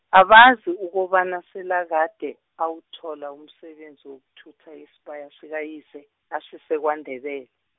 abazi ukobana selakade, awuthola umsebenzi wokuthutha isibaya sakayise, asise kwaNdebele.